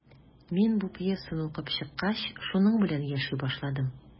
Мин бу пьесаны укып чыккач, шуның белән яши башладым.